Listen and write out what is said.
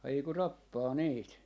haiku tappaa niitä